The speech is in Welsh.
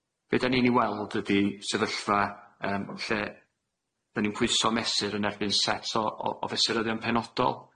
Be' dan ni'n 'i weld ydi sefyllfa yym lle 'dan ni'n pwyso a mesur yn erbyn set o o o fesuryddion penodol.